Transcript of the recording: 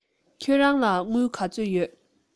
ཁྱེད རང ལ དངུལ ག ཚོད ཡོད